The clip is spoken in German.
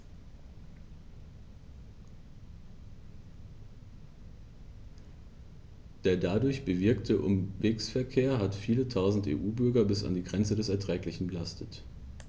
Der dadurch bewirkte Umwegsverkehr hat viele Tausend EU-Bürger bis an die Grenze des Erträglichen belastet.